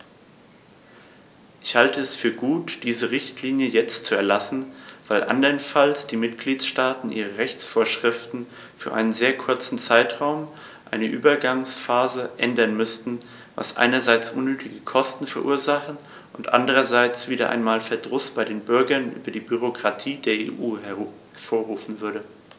Ich halte es für gut, diese Richtlinie jetzt zu erlassen, weil anderenfalls die Mitgliedstaaten ihre Rechtsvorschriften für einen sehr kurzen Zeitraum, eine Übergangsphase, ändern müssten, was einerseits unnötige Kosten verursachen und andererseits wieder einmal Verdruss bei den Bürgern über die Bürokratie der EU hervorrufen würde.